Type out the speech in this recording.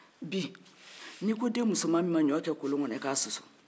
bi ni ko den musoma min ma ɲɔ kɛ kolon kɔnɔ i ka susu